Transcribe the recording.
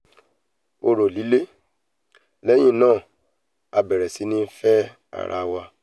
Ọ̀rọ líle ‘léyìn náà a ábẹrẹ siní n’ìfẹ arawá́'